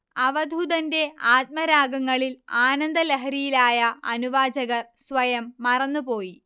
അവധൂതന്റെ ആത്മരാഗങ്ങളിൽ ആനന്ദലഹരിയിലായ അനുവാചകർ സ്വയം മറന്നുപോയി